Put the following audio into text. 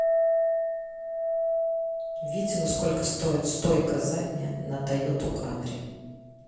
видео сколько стоит стойка задняя на тойоту камри